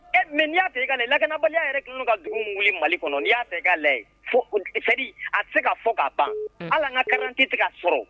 Ɛ mɛ n y'a tɛ i ka nin laganabaliya yɛrɛ g ka dugu wili mali kɔnɔ ni y'a tɛ i ka layi fofedi a tɛ se ka fɔ k ka ban hali ka kalan tɛ tigɛ sɔrɔ